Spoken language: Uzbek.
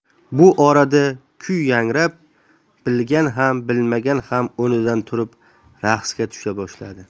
bu orada kuy yangrab bilgan ham bilmagan ham o'rnidan turib raqsga tusha boshladi